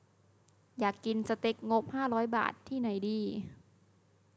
อยากกินสเต็กงบห้าร้อยบาทที่ไหนดี